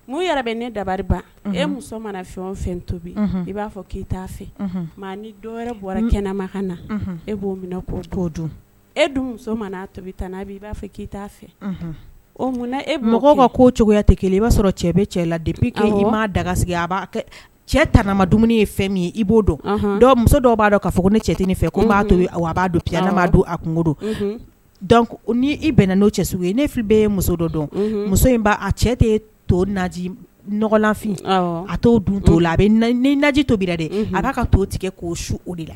N' yɛrɛ bɛ ne dari e muso mana fɛn fɛn tobi i b'a fɔ ke fɛ ni dɔw bɔra kɛnɛma na e b'o' dun ebi b'a ke fɛ o munna e mɔgɔw ka ko cogoya tɛ kelen i b'a sɔrɔ cɛ bɛ cɛ la'a dagasigi a cɛ tama dumuni ye fɛn min ye i b'o dɔn muso dɔw b'a dɔn k'a fɔ ne cɛinin fɛ b'a b'a pya don a kungodo ni i bɛnna n'o cɛ ye ne fili bɛ ye muso dɔ dɔn muso b'a cɛ tɛ to nɔgɔfin a t' dun to la a ni lajɛji tobi dɛ a b'a ka to tigɛ k'o o de la